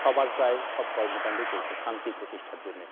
সবার প্রায় সব কর্মকাণ্ডেই চলছে শান্তির প্রতিষ্ঠার জন্যে